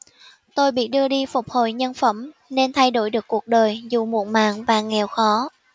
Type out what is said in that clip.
tôi bị đưa đi phục hồi nhân phẩm nên thay đổi được cuộc đời dù muộn màng và nghèo khó